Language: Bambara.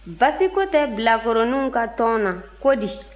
basiko tɛ bilakoroninw ka tɔn na ko di